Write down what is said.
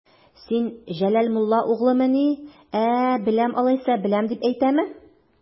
Син Җәләл мулла угълымыни, ә, беләм алайса, беләм дип әйтәме?